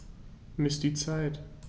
Miss die Zeit.